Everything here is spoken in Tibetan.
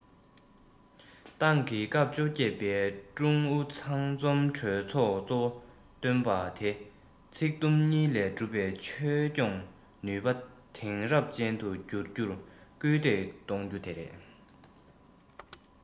ཏང གི སྐབས བཅོ བརྒྱད པའི ཀྲུང ཨུ ཚང འཛོམས གྲོས ཚོགས གཙོ བོ བཏོན པ དེ ནི ཚིག དུམ གཉིས ལས གྲུབ པའི བཅོས སྐྱོང ནུས པ དེང རབས ཅན དུ འགྱུར རྒྱུར སྐུལ འདེད གཏོང རྒྱུ དེ རེད